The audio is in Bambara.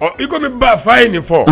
Ɔ iko fa ye nin fɔ